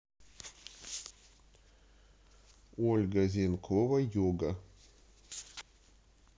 ольга зенкова йога